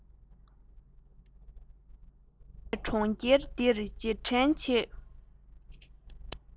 དབེན གནས གྲོང ཁྱེར འདིར རྗེས དྲན བྱེད